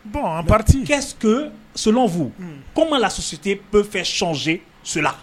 Bon en partie . Qu'est ce que, selon vous . Un. comment la société peut faire changer cela .